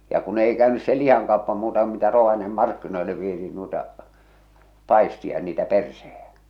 ja kun ei käynyt se lihakauppa muuta kuin mitä Rovaniemen markkinoille vietiin noita paisteja ja niitä perseitä